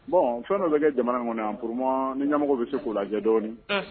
Bon fɛn dɔ bɛ kɛ jamana kɔnɔ yan purma ni ɲɛmɔgɔ bɛ se k'o lajɛ dɔɔnin